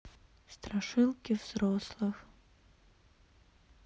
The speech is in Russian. страшилки взрослых